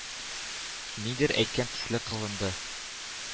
Нидер әйткән төсле кылынды.